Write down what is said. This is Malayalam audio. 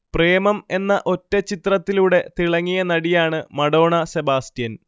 പ്രേമം എന്ന ഒറ്റചിത്രത്തിലൂടെ തിളങ്ങിയ നടിയാണ് മഡോണ സെബാസ്റ്റ്യൻ